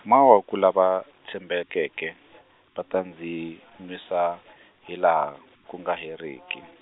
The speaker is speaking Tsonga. mawaku lava tshembekeke, va ta ndzi nwisa, hilaha ku nga heriki.